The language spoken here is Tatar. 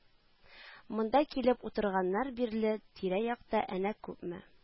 Монда килеп утырганнан бирле тирә-якта әнә күпме